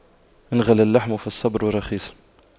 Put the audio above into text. إن غلا اللحم فالصبر رخيص